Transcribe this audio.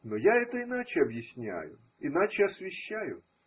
Но я это иначе объясняю, иначе освещаю.